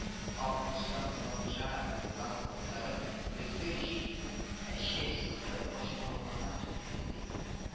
Капкорсак патша буран куптарып, көзге җил күк әче сызгырып ачуланырга тотынды, ди